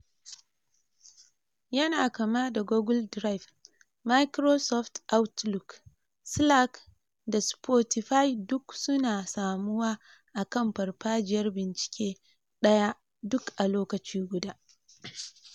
Yana kama da Google Drive, Microsoft Outlook, Slack da Spotify duk su na samuwa a kan farfajiyar bincike daya duk a lokaci guda.